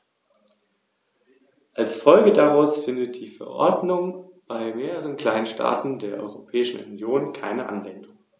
Oder denken Sie an Schiffer von osteuropäischen Schiffen, die hier neben anderen ankern und von denen ganz offensichtlich Gefahren ausgehen.